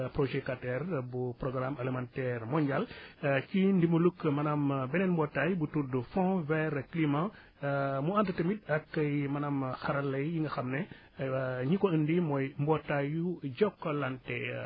projet 4R bu programme alimentaire mondial ci ndimbalug maanaam beneen mbootaay bu tudd fond vers climat mu ànd tamit ak ay maanaam xarala yi nga xam ne waa ñi ko indi mooy mbootaayu Jokalante